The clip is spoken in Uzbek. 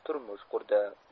turmush qurdi